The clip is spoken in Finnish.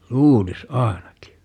luulisi ainakin